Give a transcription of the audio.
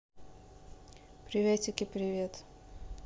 приветики привет